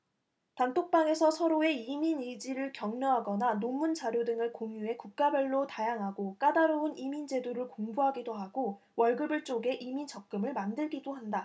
단톡방에서 서로의 이민 의지를 격려하거나 논문 자료 등을 공유해 국가별로 다양하고 까다로운 이민 제도를 공부하기도 하고 월급을 쪼개 이민 적금을 만들기도 한다